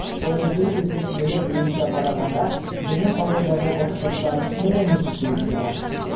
Тарихи эзлеклелек буенча караганда, безнең авылдагы “башкортлар” менә ничек килеп чыга.